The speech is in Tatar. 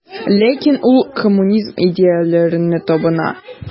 Ләкин ул коммунизм идеяләренә табына.